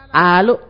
Aa